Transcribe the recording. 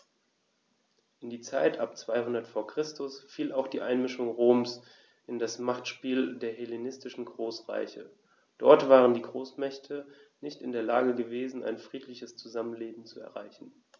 In die Zeit ab 200 v. Chr. fiel auch die Einmischung Roms in das Machtspiel der hellenistischen Großreiche: Dort waren die Großmächte nicht in der Lage gewesen, ein friedliches Zusammenleben zu erreichen.